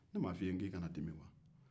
ne m'a fɔ e ye k'i kana dimi wa